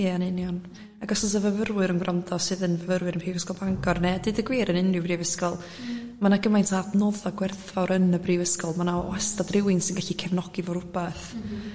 Ia'n union ag os osa fyfyrwyr yn grando sydd yn fyfyrwyr yn Prifysgol Bangor ne' deud y gwir yn unrhyw brifysgol ma' 'na gymaint o adnodda gwerthfawr yn y brifysgol ma' 'na wastad rywun sy'n gallu cefnogi fo rwbath